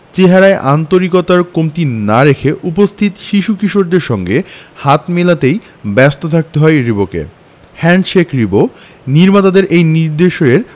চেহারায় আন্তরিকতার কোনো কমতি না রেখে উপস্থিত শিশু কিশোরদের সঙ্গে হাত মেলাতেই ব্যস্ত থাকতে হয়েছে রিবোকে হ্যান্ডশেক রিবো নির্মাতার এমন নির্দেশের